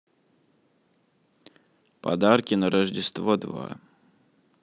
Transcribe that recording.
подарки на рождество два